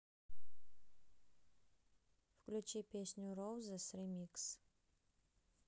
включи песню роузес ремикс